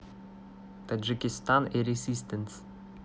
таджикистан и resistance